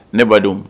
Ne badenw